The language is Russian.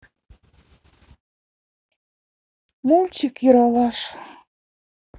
мультик ералаш